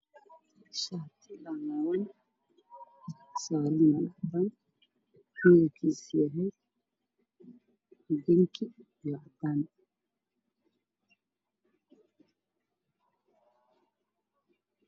Sanduuq saaran miiskararkiisu yahay cadaan iyo madow waxaana eg taagan nin sameynayo